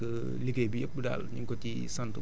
ak niñ ñu yombalee émission bi